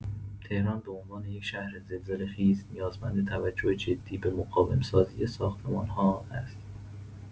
تهران به عنوان یک شهر زلزله‌خیز نیازمند توجه جدی به مقاوم‌سازی ساختمان‌ها است.